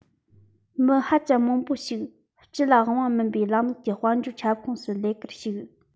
མི ཧ ཅང མང པོ ཞིག སྤྱི ལ དབང བ མིན པའི ལམ ལུགས ཀྱི དཔལ འབྱོར ཁྱབ ཁོངས སུ ལས ཀར ཞུགས